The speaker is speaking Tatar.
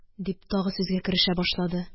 Дип, тагы сүзгә керешә башлады